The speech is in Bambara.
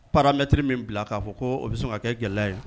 paramètre bila ka fɔ ko o bi sɔn ka kɛ gɛlɛya ye